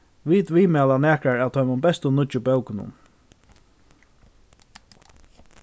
vit viðmæla nakrar av teimum bestu nýggju bókunum